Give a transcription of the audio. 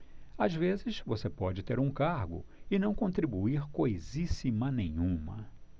às vezes você pode ter um cargo e não contribuir coisíssima nenhuma